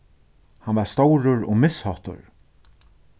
hann var stórur og misháttur